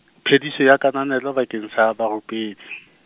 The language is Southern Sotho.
phediso ya kananelo bakeng sa barupedi.